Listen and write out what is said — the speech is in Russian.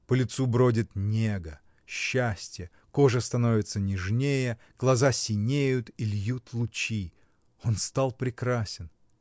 По лицу бродит нега, счастье, кожа становится нежнее, глаза синеют и льют лучи: он стал прекрасен.